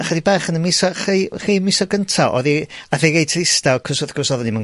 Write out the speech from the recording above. A chydig bach yn y miso- rhei, rhei misodd gynta' odd 'i, ath e reit ddistaw, c'os wrth gwrs odd 'i ddim yn